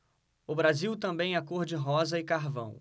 o brasil também é cor de rosa e carvão